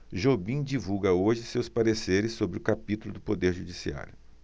jobim divulga hoje seus pareceres sobre o capítulo do poder judiciário